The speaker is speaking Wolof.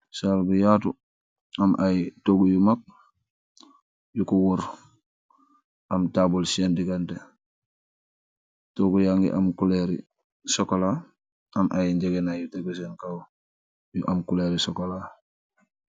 Sal buuh yatuh , emm ayy toguh yuh maag , yukooh woor , emm tabul senn diganteh , toguh yageh emm culoor yu chocolah , emm ayy njekehnayy yu tehguh sen koow , emm culoor yu chocolah .